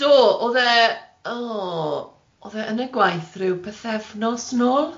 Do, oedd e oh, oedd e yn y gwaith ryw bythefnos nôl.